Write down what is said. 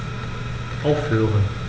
Aufhören.